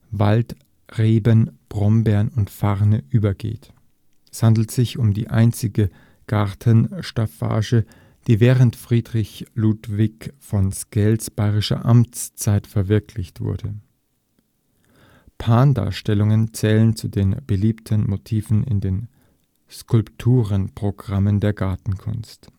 Waldreben, Brombeeren und Farne übergeht. Es handelt sich um die einzige Gartenstaffage, die während Friedrich Ludwig von Sckells bayerischer Amtszeit verwirklicht wurde. Pan-Darstellungen zählen zu den beliebten Motiven in den Skulpturenprogrammen der Gartenkunst